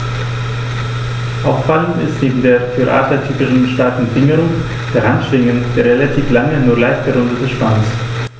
Auffallend ist neben der für Adler typischen starken Fingerung der Handschwingen der relativ lange, nur leicht gerundete Schwanz.